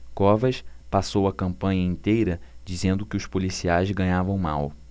covas passou a campanha inteira dizendo que os policiais ganhavam mal